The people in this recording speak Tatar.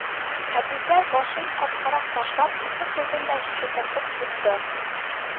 Әбүзәр, башын арткарак ташлап, ике күзен дә чытырдатып йомды